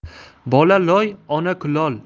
bola loy ona kulol